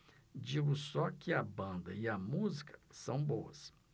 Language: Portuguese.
digo só que a banda e a música são boas